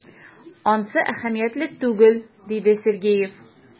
Ансы әһәмиятле түгел,— диде Сергеев.